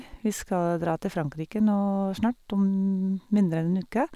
Vi skal dra til Frankrike nå snart, om mindre enn en uke.